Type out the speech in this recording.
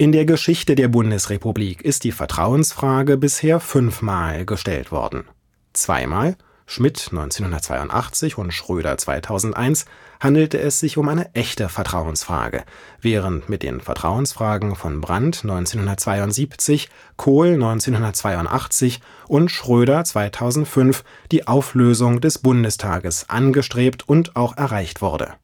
der Geschichte der Bundesrepublik ist die Vertrauensfrage bisher fünfmal gestellt worden. Zweimal (Schmidt 1982 und Schröder 2001) handelte es sich um eine echte Vertrauensfrage, während mit den Vertrauensfragen von Brandt 1972, Kohl 1982 und Schröder 2005 die Auflösung des Bundestags angestrebt und auch erreicht wurde